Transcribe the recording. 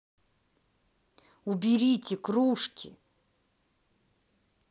уберите кружки